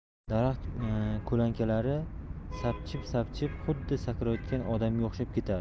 daraxt ko'lankalari sapchibsapchib xuddi sakrayotgan odamga o'xshab ketardi